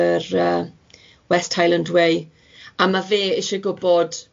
yr yy West Highland Way, a ma' fe isie gwbod.